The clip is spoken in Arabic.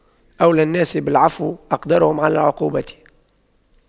أولى الناس بالعفو أقدرهم على العقوبة